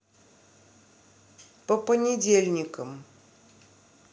по понедельникам